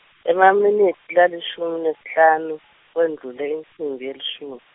Emaminitsi lalishumi nesihlanu kwendlule insimbi yelishumi.